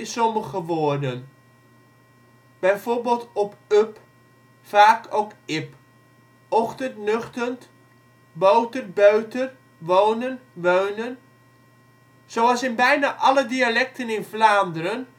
sommige woorden. Bijvoorbeeld: op - up (vaak ook: ip), ochtend - nuchtend, boter - beuter, wonen - weunen. Zoals in bijna alle dialecten in Vlaanderen